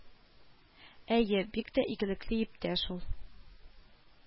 Әйе, бик тә игелекле иптәш ул